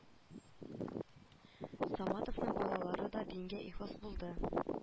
Саматовның балалары да дингә ихлас булды